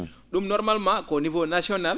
?um normalement que au niveau national